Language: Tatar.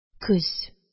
Көз